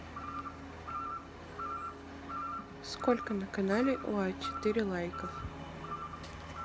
сколько на канале у а четыре лайков